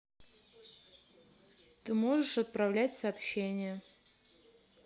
ты можешь отправлять сообщения